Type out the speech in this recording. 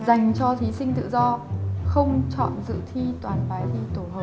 dành cho thí sinh tự do không chọn dự thi toàn bài thi tổ hợp